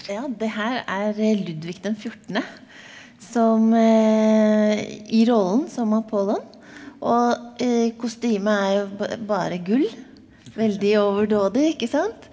ja det her er Ludvig den fjortende som i rollen som Apollon, og kostymet er jo bare gull veldig overdådig ikke sant.